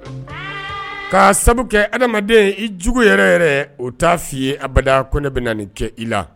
K'a sabu kɛ adamaden i jugu yɛrɛ-yɛrɛ o t'a f'i ye abada ko ne bena nin k'i i la